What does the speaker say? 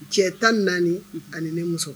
Cɛ 14 ani ne muso